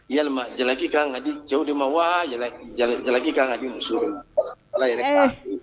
Yɛlɛma jalaki kan ka di cɛw de ma wa jalaki ka kan ka di muso de ma ala yɛrɛ